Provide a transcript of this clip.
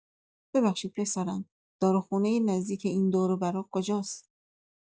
ببخشید پسرم، داروخونۀ نزدیک این دور و برا کجاست؟